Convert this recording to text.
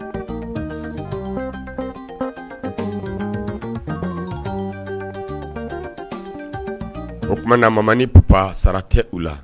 O tumana mama ni papa sara t'u la.